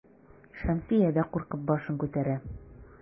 Шәмсия дә куркып башын күтәрә.